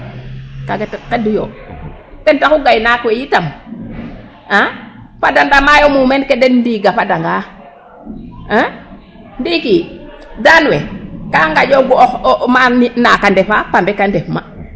Kaaga tig xedu yo ,ten taxu gaynaak we yitam fat da ndamaa muumeen ke den ndiig a fadanga a ndiiki daan we ka nqaƴopgu ma naak a ndefaa pambe ke ndef ma.